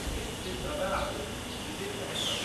lichter is dan water (de dichtheid van